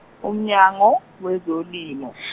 uMnyango, weZolimo .